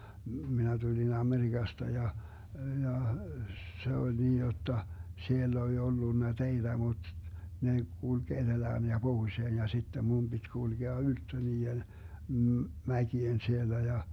minä tulin Amerikasta ja ja se oli niin jotta siellä oli ollut teitä mutta ne kulki etelään ja pohjoiseen ja sitten minun piti kulkea ylttö niiden - mäkien siellä ja